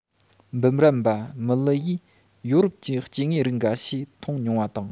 འབུམ རམས པ མུ ལི ཡིས ཡོ རོབ ཀྱི སྐྱེ དངོས རིགས འགའ ཤས མཐོང མྱོང བ དང